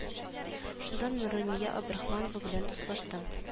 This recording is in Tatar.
Шунда нурания абдрахманова белән дуслаштым